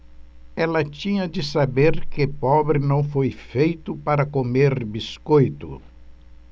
ela tinha de saber que pobre não foi feito para comer biscoito